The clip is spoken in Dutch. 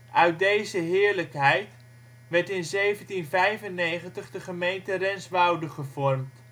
Uit deze heerlijkheid werd in 1795 de gemeente Renswoude gevormd